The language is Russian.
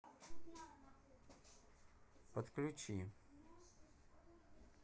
подключи